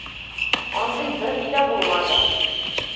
Андый берни дә булмады.